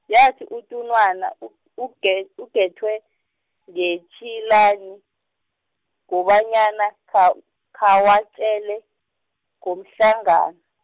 yathi utunwana u- uge- uGethwe, ngetshilani, ngobanyana kha- khawatjele, ngomhlangano.